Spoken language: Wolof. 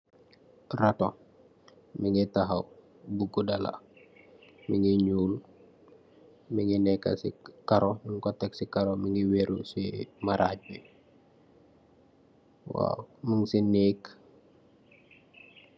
Rato , mungi tahaw, bu guda la, mungi nyul, nyunko tek si karo, mungi wairu si maraach bi, waaw, mung si naik.